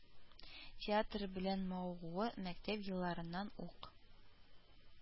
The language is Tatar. Театр белән мавыгуы мәктәп елларыннан ук